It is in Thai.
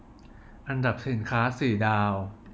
อันดับสินค้าสี่ดาว